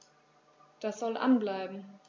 Das soll an bleiben.